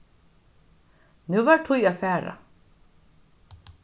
nú var tíð at fara